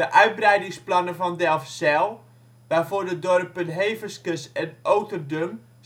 uitbreidingsplannen van Delfzijl, waarvoor de dorpen Heveskes en Oterdum zijn opgeofferd, dreigden